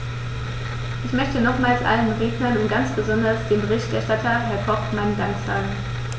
Ich möchte nochmals allen Rednern und ganz besonders dem Berichterstatter, Herrn Koch, meinen Dank sagen.